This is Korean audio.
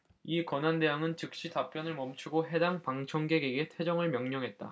이 권한대항은 즉시 답변을 멈추고 해당 방청객에게 퇴정을 명령했다